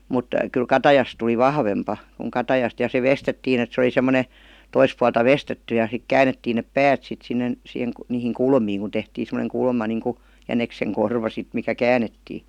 mutta kyllä katajasta tuli vahvempi kuin katajasta ja se veistettiin että se oli semmoinen toista puolta veistetty ja sitten käännettiin ne päät sitten sinne - niihin kulmiin kun tehtiin semmoinen kulma niin kuin jäniksen korva sitten mikä käännettiin